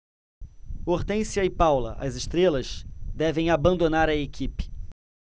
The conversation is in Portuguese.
hortência e paula as estrelas devem abandonar a equipe